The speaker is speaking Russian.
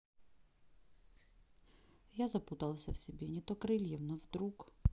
я запутался в себе не то крыльев но вдруг